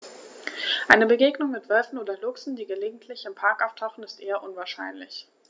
Eine Begegnung mit Wölfen oder Luchsen, die gelegentlich im Park auftauchen, ist eher unwahrscheinlich.